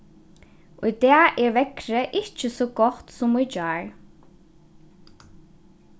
í dag er veðrið ikki so gott sum í gjár